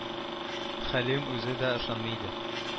Хәлим үзе дә ышанмый иде